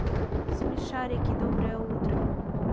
смешарики доброе утро